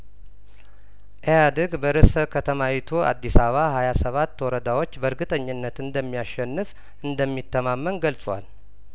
ኢህ አድግ በርእሰ ከተማይቱ አዲስ አባ ሀያሰባት ወረዳዎች በእርግጠኝነት እንደሚያሸንፍ እንደሚተማመን ገልጿል